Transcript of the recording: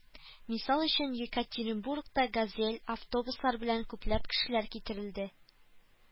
Мисал өчен Екатеринбурда ГАЗель, автобуслар белән күпләп кешеләр китерелде